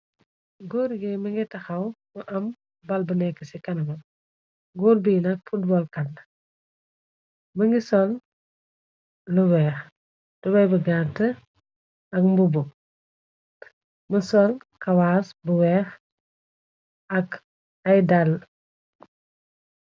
Góor géy më ngi taxaw mu am bal bu nekke ci kanamam góor bi nak footbol catt la më ngi sol lu weex tubaye bu gante ak mubu mu sol kawaas bu weex ak ay dalle.